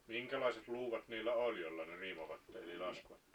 minkälaiset luudat niillä oli jolla ne riimoivat eli laskivat